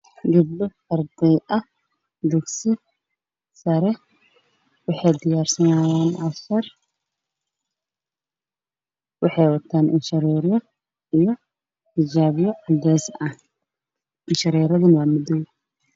Gabdho dugsi sare ah